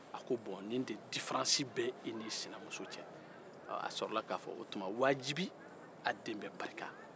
a ko bɔn ni diferansi bɛ e n'i sinamusa cɛ a sɔrɔ la ka fɔ wajibi a den bɛ barika